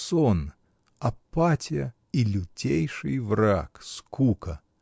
Сон, апатия и лютейший враг — скука!